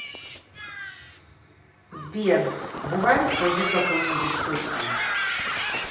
сбер давай расскажи какую нибудь шутку